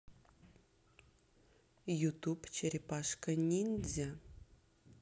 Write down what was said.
ютуб черепашка ниндзя